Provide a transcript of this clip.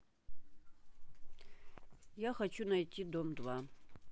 я хочу найти дом два